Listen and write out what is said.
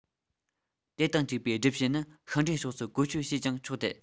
དེ དང གཅིག པའི སྒྲུབ བྱེད ནི ཤིང འབྲས ཕྱོགས སུ བཀོལ སྤྱོད བྱས ཀྱང ཆོག སྟེ